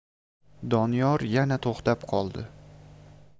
doniyor yana to'xtab qoldi